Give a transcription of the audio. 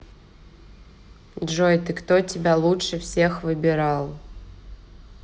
джой ты кто тебя лучше всех выбирал